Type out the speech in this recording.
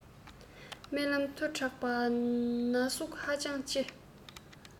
རྨི ལམ མཐུགས དྲགས པས ན ཟུག ཧ ཅང ལྕི